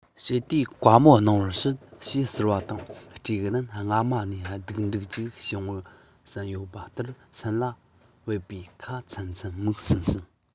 བྱེད དེ བཀའ མོལ གནང བར ཞུ ཞེས ཟེར བ དང སྤྲེའུ རྣམས སྔ མ ནས སྡུམ འགྲིག ཅིག བྱུང བསམ ཡོད པ ལྟར སེམས ལ བབས པས ཁ ཚེག ཚེག མིག ཟུམ ཟུམ མཇུག མ འགྲིལ འགྲིལ བྱས ནས འདི སྐད ཟེར རོ